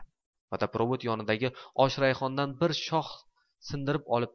vodoprovod yonidagi oshrayhondan bir shox sindirib olib